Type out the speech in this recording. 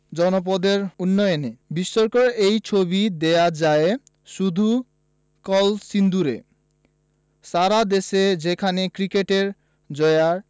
জনপদের উন্নয়নে বিস্ময়কর এই ছবি দেখা যায় শুধু কলসিন্দুরে সারা দেশে যেখানে ক্রিকেটের জোয়ার